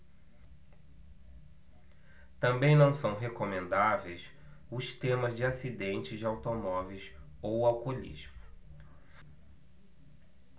também não são recomendáveis os temas de acidentes de automóveis ou alcoolismo